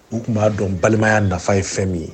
U tun b'a dɔn balimaya nafa ye fɛn min ye